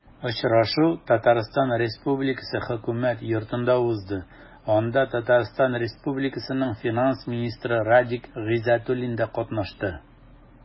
Очрашу Татарстан Республикасы Хөкүмәт Йортында узды, анда ТР финанс министры Радик Гайзатуллин да катнашты.